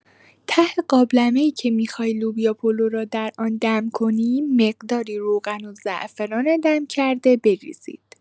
ته قابلمه‌ای که می‌خواهید لوبیا پلو را در آن دم کنیم مقداری روغن و زعفران دم کرده بریزید.